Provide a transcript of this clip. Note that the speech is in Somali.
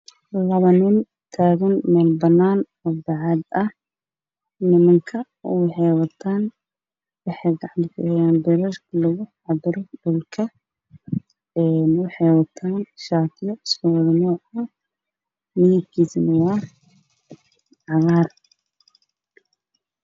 Waa meel waddo ah waa la dhisaayo waxaa taagan laba nin waxa ay wataan laba jaakad jakada midabkoodu waa cagaar